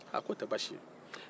a k'o tɛ baasi ye